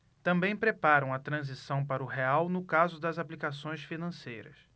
também preparam a transição para o real no caso das aplicações financeiras